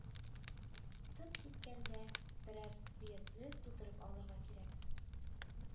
Тып киткәндә берәр «бөят»не* тутыртып алырга кирәк